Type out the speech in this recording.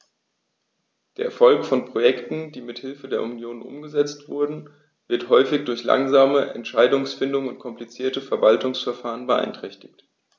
Der Erfolg von Projekten, die mit Hilfe der Union umgesetzt werden, wird häufig durch langsame Entscheidungsfindung und komplizierte Verwaltungsverfahren beeinträchtigt.